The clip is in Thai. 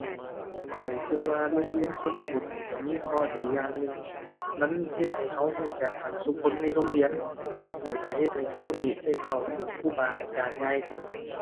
ข้อยคิดว่าโรงเรียนชนบทนี่คิดมีข้อดีอย่างหนึ่ง มันเฮ็ดให้คิดคิดจักกันซุคนในโรงเรียนแล้วคิดเฮ็ดให้คิดนี่ได้เข้าถึงครูบาอาจารย์ง่ายขึ้น